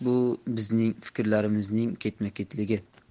bu bizning fikrlarimizning ketma ketligi